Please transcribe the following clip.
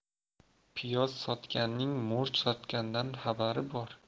piyoz sotganning murch sotgandan xabari bor